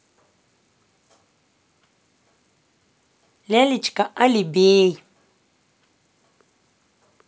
лялечка алибей